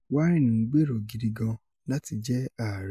Warren ń gbèrò ‘gidi gan-an’ láti jẹ ààrẹ